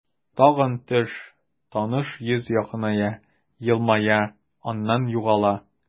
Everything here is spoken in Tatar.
Тагын төш, таныш йөз якыная, елмая, аннан югала.